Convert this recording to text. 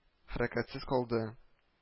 Хәрәкәтсез калды